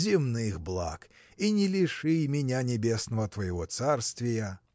земных благ, – и не лиши меня небесного твоего царствия.